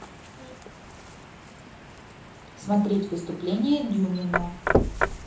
смотреть выступление дюмина